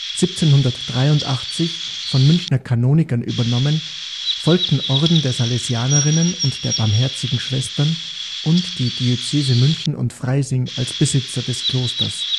1783 von Münchner Kanonikern übernommen, folgten Orden der Salesianerinnen und der Barmherzigen Schwestern und die Diözese München und Freising als Besitzer des Klosters